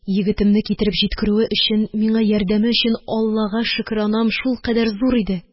Егетемне китереп җиткерүе өчен, миңа ярдәме өчен Аллага шөкранәм шулкадәр зур иде